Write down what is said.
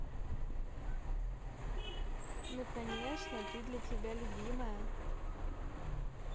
ну конечно ты для тебя любимая